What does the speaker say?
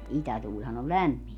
itätuulihan on lämmintä